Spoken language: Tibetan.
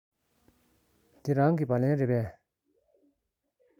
འདི རང གི སྦ ལན རེད པས